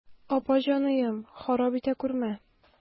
Апа җаныем, харап итә күрмә.